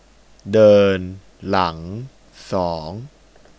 เดินหลังสอง